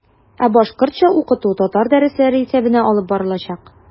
Ә башкортча укыту татар дәресләре исәбенә алып барылачак.